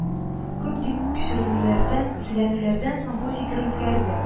Күп тик шеренүләрдән, эзләнүләрдән соң бу фикер үзгәрде